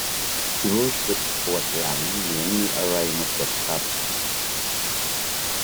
รู้สึกปวดหลังเหมือนมีอะไรมากดทับ